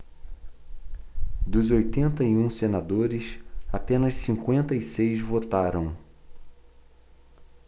dos oitenta e um senadores apenas cinquenta e seis votaram